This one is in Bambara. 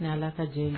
Ni ala ka diɲɛ